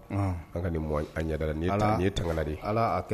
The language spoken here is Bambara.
Ɔnhɔ, k'a ka nin mɔn a ɲɛda la, nin ye tankalan de ye!